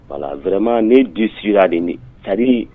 Wala vrament nin ye di sira de ya ça dire